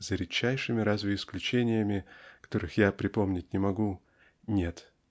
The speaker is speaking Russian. за редчайшими разве исключениями (которых я припомнить не могу) нет.